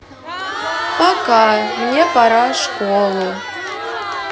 пока мне пора школу